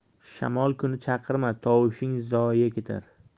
shamol kuni chaqirma tovushing zoye ketar